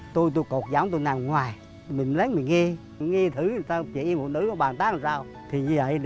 tôi tôi cột võng nằm ở ngoài mình lén mình nghe nghe thử chị em phụ nữ bàn tán sao thì dậy